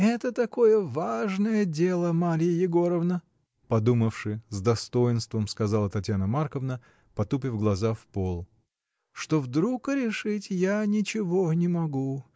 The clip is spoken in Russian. — Это такое важное дело, Марья Егоровна, — подумавши, с достоинством сказала Татьяна Марковна, потупив глаза в пол, — что вдруг решить я ничего не могу.